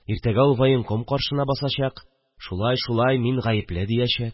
Иртәгә ул военком каршына басачак Шулай, шулай, мин гаепле диячәк